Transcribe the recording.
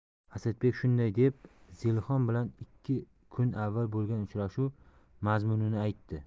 asadbek shunday deb zelixon bilan ikki kun avval bo'lgan uchrashuv mazmunini aytdi